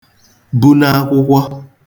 buna akwụkwọ